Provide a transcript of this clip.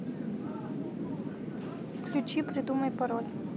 включи придумай пароль